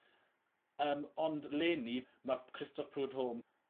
yym ond leni ma Christoph Prudhomme...